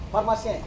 Babasɛn